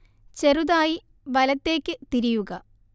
ചെറുതായി വലത്തേക്ക് വഴിതിരിയുക